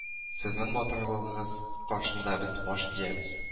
Сезнең батырлыгыгыз каршында без баш иябез